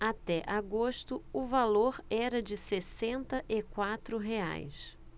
até agosto o valor era de sessenta e quatro reais